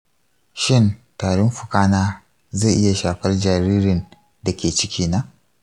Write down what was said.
shin tarin fukana zai iya shafar jaririn da ke cikina?